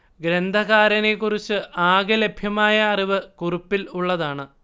ഗ്രന്ഥകാരനെക്കുറിച്ച് ആകെ ലഭ്യമായ അറിവ് കുറിപ്പിൽ ഉള്ളതാണ്